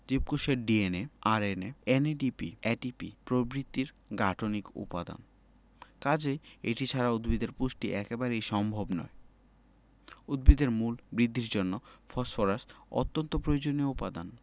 জীবকোষের DNA RNA NADP ATP প্রভৃতির গাঠনিক উপাদান কাজেই এটি ছাড়া উদ্ভিদের পুষ্টি একেবারেই সম্ভব নয় উদ্ভিদের মূল বৃদ্ধির জন্য ফসফরাস অত্যন্ত প্রয়োজনীয় উপাদান